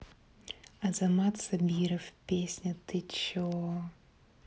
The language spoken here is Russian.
азамат сабиров песня че ты